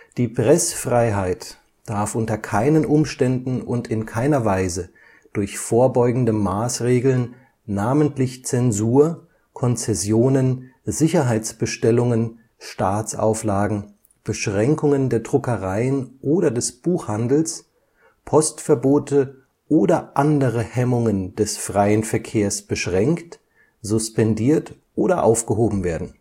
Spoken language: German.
Die Preßfreiheit darf unter keinen Umständen und in keiner Weise durch vorbeugende Maaßregeln, namentlich Censur, Concessionen, Sicherheitsbestellungen, Staatsauflagen, Beschränkungen der Druckereien oder des Buchhandels, Postverbote oder andere Hemmungen des freien Verkehrs beschränkt, suspendiert oder aufgehoben werden